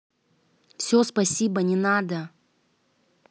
все спасибо не надо